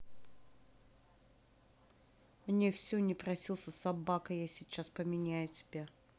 мне все не просился собака я сейчас поменяю тебя